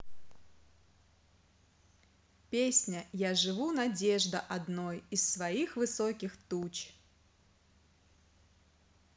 песня я живу надежда одной из своих высоких туч